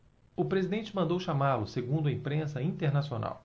o presidente mandou chamá-lo segundo a imprensa internacional